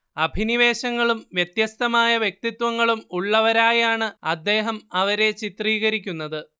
അഭിനിവേശങ്ങളും വ്യത്യസ്തമായ വ്യക്തിത്വങ്ങളും ഉള്ളവരായാണ് അദ്ദേഹം അവരെ ചിത്രീകരിക്കുന്നത്